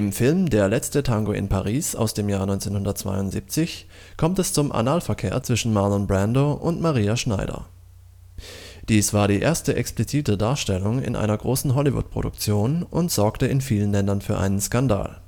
Film Der letzte Tango in Paris aus dem Jahr 1972 kommt es zum Analverkehr zwischen Marlon Brando und Maria Schneider. Dies war die erste explizite Darstellung in einer großen Hollywood-Produktion und sorgte in vielen Ländern für einen Skandal